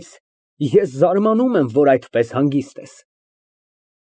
Բայց ես զարմանում եմ, որ այդպես հանգիստ ես։